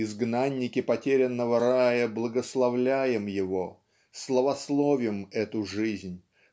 изгнанники потерянного рая благословляем его славословим эту жизнь